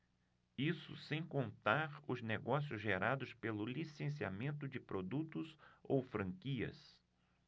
isso sem contar os negócios gerados pelo licenciamento de produtos ou franquias